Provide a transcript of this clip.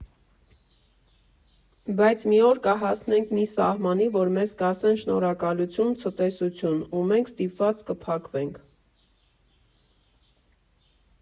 Բայց մի օր կհասնենք մի սահմանի, որ մեզ կասեն՝ շնորհակալություն, ցտեսություն, ու մենք ստիպված կփակվենք։